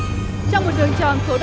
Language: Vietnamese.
trong một đường tròn số đo